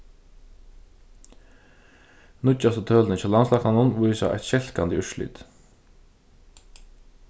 nýggjastu tølini hjá landslæknanum vísa eitt skelkandi úrslit